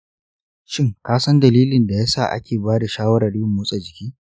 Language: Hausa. shin ka san dalilin da ya sa ake ba da shawarar yin motsa jiki?